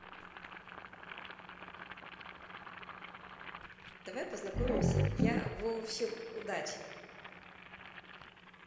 давай познакомимся я вообщем удачи